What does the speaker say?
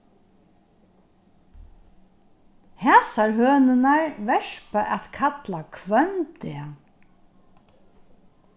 hasar hønurnar verpa at kalla hvønn dag